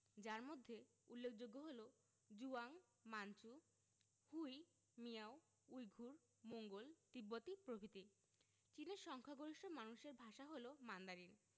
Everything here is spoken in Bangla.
যার মধ্যে উল্লেখযোগ্য হলো Zhuang Manchu Hui Miao Uyghur Mongol তিব্বতি প্রভৃতি চীনের সংখ্যাগরিষ্ঠ মানুষের ভাষা হলো মান্দারিন